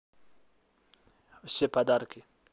все подарки